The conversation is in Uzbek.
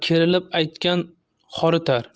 kerilib aytgan horitar